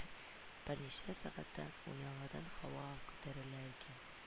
Берничә сәгатьтән ул яңадан һавага күтәрелә икән